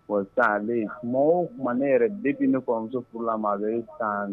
Sa mɔ tuma ne yɛrɛ den bɛ ne famuso furu la ma bɛ san